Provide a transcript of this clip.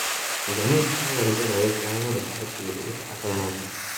Ganese ta yarda da gaggawar da ake da ita a kan haka.